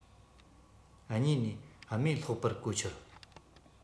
གཉིས ནས རྨོས སློག པར གོ ཆོད